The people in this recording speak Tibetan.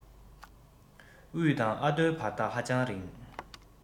དབུས དང ཨ མདོའི བར ཐག ཧ ཅང རིང